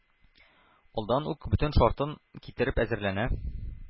Алдан ук бөтен шартын китереп әзерләнә: